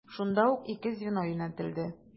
Шунда ук ике звено юнәтелде.